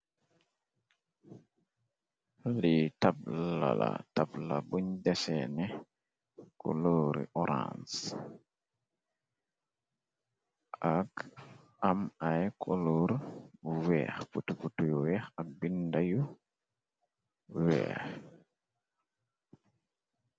Li tabala tabla buñ deseene coloori orance ak am i coloore yu weex butu butu y weex ak bindayu weex.